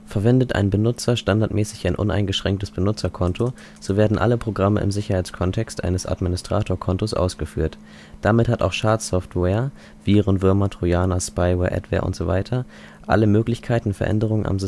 Verwendet ein Benutzer standardmäßig ein uneingeschränktes Benutzerkonto, so werden alle Programme im Sicherheitskontext eines Administratorkontos ausgeführt. Damit hat auch Schadsoftware (Viren, Würmer, Trojaner, Spyware, Adware usw.) alle Möglichkeiten, Veränderungen